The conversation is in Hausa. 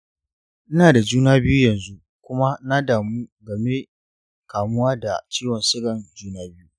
ina da juna-biyu yanzu, kuma na damu game kamuwa da ciwon sugan juna-biyu.